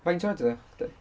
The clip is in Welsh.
Faint oed oeddach chdi?